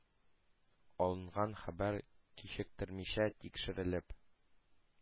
Алынган хәбәр кичектермичә тикшерелеп,